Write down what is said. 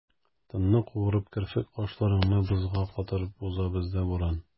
Тынны куырып, керфек-кашларыңны бозга катырып уза бездә буран.